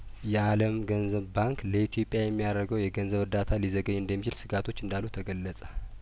የአለም ገንዘብ ባንክ ለኢትዮጵያ የሚያደርገው የገንዘብ እርዳታ ሊዘገይ እንደሚችል ስጋቶች እንዳሉ ተገለጸ